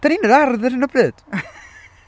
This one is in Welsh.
Dan ni yn yr ardd ar hyn o bryd!